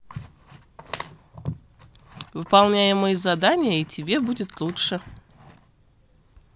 выполняемые задания и тебе будет лучше